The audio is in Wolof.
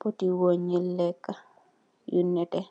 poti weungh yungh lehkah yu nehteh.